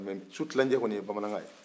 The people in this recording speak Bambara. mɛ sutilancɛ kɔni ye bamanankan ye